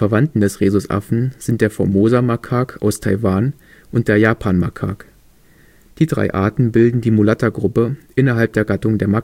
Rhesusaffen sind der Formosa-Makak aus Taiwan und der Japanmakak. Die drei Arten bilden die mulatta-Gruppe innerhalb der Gattung der Makaken